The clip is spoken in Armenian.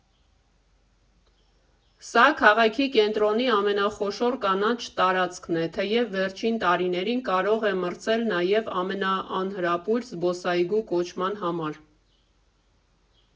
Սա քաղաքի կենտրոնի ամենախոշոր կանաչ տարածքն է, թեև վերջին տարիներին կարող է մրցել նաև ամենաանհրապույր զբոսայգու կոչման համար։